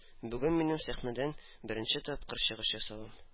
Бүген минем сәхнәдән беренче тапкыр чыгыш ясавым.